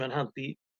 so ma'n handi